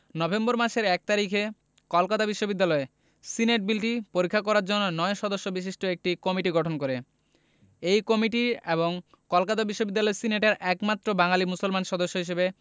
November মাসের ১ তারিখে কলকাতা বিশ্ববিদ্যালয় সিনেট বিলটি পরীক্ষা করার জন্য ৯ সদস্য বিশিষ্ট একটি কমিটি গঠন করে এই কমিটির এবং কলকাতা বিশ্ববিদ্যালয় সিনেটের একমাত্র বাঙালি মুসলমান সদস্য হিসেবে